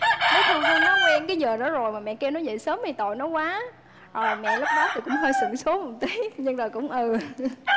bé thu nó quen cái giờ đó rồi mà mẹ kêu nó dậy sớm thì tội nó quá rồi mẹ lúc đó cũng hơi sửng sốt một tí nhưng rồi cũng ừ